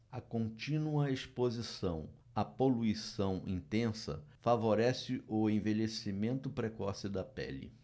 a contínua exposição à poluição intensa favorece o envelhecimento precoce da pele